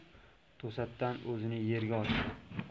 to'satdan o'zini yerga otdi